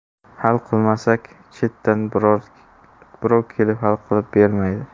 hal qilmasak chetdan birov kelib hal qilib bermaydi